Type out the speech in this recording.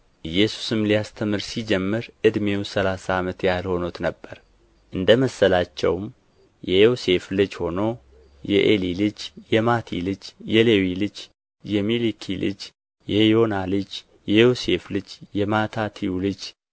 ኢየሱስም ሊያስተምር ሲጀምር ዕድሜው ሠላሳ ዓመት ያህል ሆኖት ነበር እንደመሰላቸው የዮሴፍ ልጅ ሆኖ የኤሊ ልጅ የማቲ ልጅ የሌዊ ልጅ የሚልኪ ልጅ የዮና ልጅ የዮሴፍ ልጅ የማታትዩ ልጅ